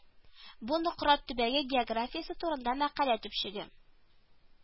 Бу Нократ төбәге географиясе турында мәкалә төпчеге